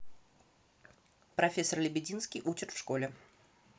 профессор лебединский учат в школе